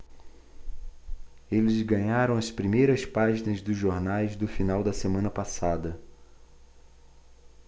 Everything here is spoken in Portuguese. eles ganharam as primeiras páginas dos jornais do final da semana passada